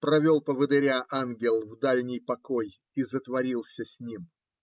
Провел поводыря ангел в дальний покой и затворится с ним.